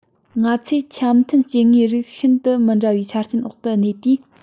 ང ཚོས ཆ མཐུན སྐྱེ དངོས རིགས ཤིན ཏུ མི འདྲ བའི ཆ རྐྱེན འོག ཏུ གནས དུས